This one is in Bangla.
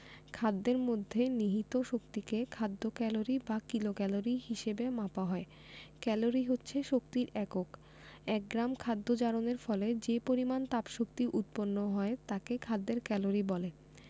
খাদ্যের মধ্যে নিহিত শক্তিকে খাদ্য ক্যালরি বা কিলোক্যালরি হিসেবে মাপা হয় ক্যালরি হচ্ছে শক্তির একক এক গ্রাম খাদ্য জারণের ফলে যে পরিমাণ তাপশক্তি উৎপন্ন হয় তাকে খাদ্যের ক্যালরি বলে